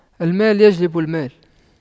المال يجلب المال